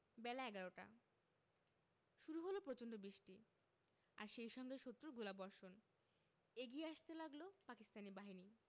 বেলা এগারোটা শুরু হলো প্রচণ্ড বৃষ্টি আর সেই সঙ্গে শত্রুর গোলাবর্ষণ এগিয়ে আসতে লাগল পাকিস্তানি বাহিনী